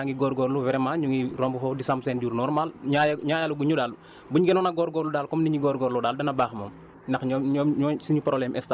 fu mu toll nii daal sàmm yi lañ doon xalaat te sàmm yaa ngi góorgóorlu vraiment ñu ngi romb foofu di sàmm seen jur normal ñaareel ñaareelaguñ ñu daal buén gënoon a góorgóorlu daal comme ni ñuy góorgóorloo daal dana baax moom